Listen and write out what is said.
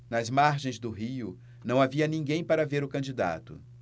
nas margens do rio não havia ninguém para ver o candidato